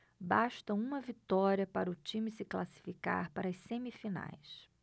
basta uma vitória para o time se classificar para as semifinais